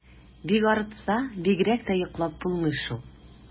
Бик арытса, бигрәк тә йоклап булмый шул.